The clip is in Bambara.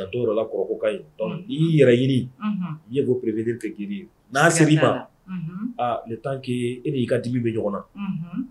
La i y'i ye bɔ pereb tɛ g i k' e y'i ka dibi bɛ ɲɔgɔn na